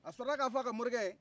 a sɔrɔla k'a fɔ aka morikɛ ye